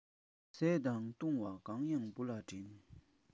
བཟས དང བཏུང བ གང ཡག བུ ལ སྦྱིན